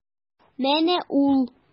Менә ул.